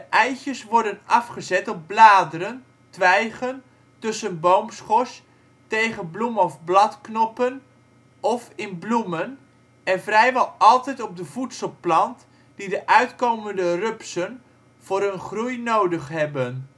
eitjes worden afgezet op bladeren, twijgen, tussen boomschors, tegen bloem - of bladknoppen, of in bloemen - en vrijwel altijd op de voedselplant die de uitkomende rupsen voor hun groei nodig hebben